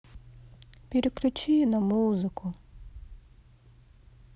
переключи на музыку